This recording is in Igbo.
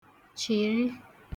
chị̀rị